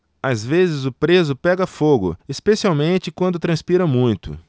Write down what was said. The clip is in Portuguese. às vezes o preso pega fogo especialmente quando transpira muito